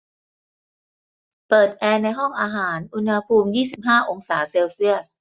เปิดแอร์ในห้องอาหารอุณหภูมิยี่สิบห้าองศาเซลเซียส